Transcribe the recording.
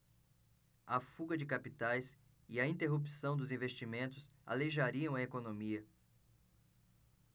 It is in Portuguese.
a fuga de capitais e a interrupção dos investimentos aleijariam a economia